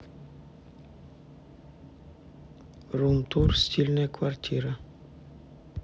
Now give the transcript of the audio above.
рум тур стильная квартира